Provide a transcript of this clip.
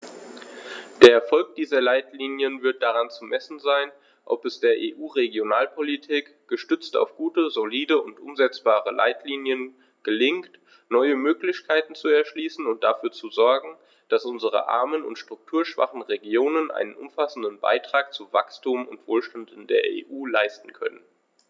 Der Erfolg dieser Leitlinien wird daran zu messen sein, ob es der EU-Regionalpolitik, gestützt auf gute, solide und umsetzbare Leitlinien, gelingt, neue Möglichkeiten zu erschließen und dafür zu sorgen, dass unsere armen und strukturschwachen Regionen einen umfassenden Beitrag zu Wachstum und Wohlstand in der EU leisten können.